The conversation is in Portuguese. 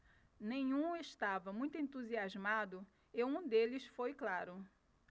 nenhum estava muito entusiasmado e um deles foi claro